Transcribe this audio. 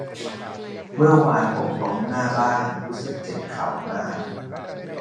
เมื่อวานหกล้มหน้าบ้านรู้สึกเจ็บเข่ามาก